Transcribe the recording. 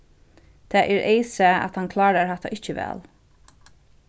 tað er eyðsæð at hann klárar hatta ikki væl